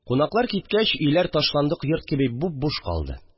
Кунаклар киткәч, өйләр ташландык йорт кеби буп-буш калды